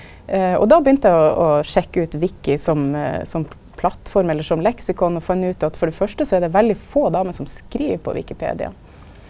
og då begynte eg å å sjekka ut wiki som som plattform eller som leksikon og fann ut at for det første så er det veldig få damer som skriv på Wikipedia.